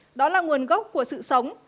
đó là nguồn gốc của sự sống